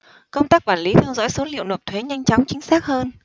công tác quản lý theo dõi số liệu nộp thuế nhanh chóng chính xác hơn